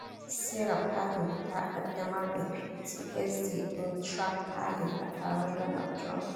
Sarah Palin Ta kaddamar da PTSD din Track Palin a taron Donald Trump